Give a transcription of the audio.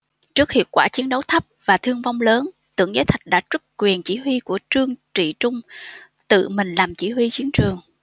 trước hiệu quả chiến đấu thấp và thương vong lớn tưởng giới thạch đã truất quyền chỉ huy của trương trị trung tự mình làm chỉ huy chiến trường